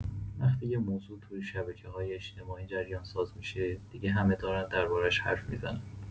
وقتی یه موضوع تو شبکه‌های اجتماعی جریان‌ساز می‌شه، دیگه همه دارن دربارش حرف می‌زنن.